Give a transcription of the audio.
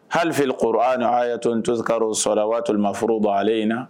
Hali aa aa ye to toka o sɔ la waalilimaf bɔ ale in na